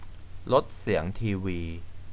ลดเสียงทีวี